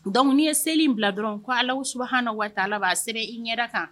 Dɔnku ye selen bila dɔrɔn k ko ala su ha wa taa ala' a sera i ɲɛ kan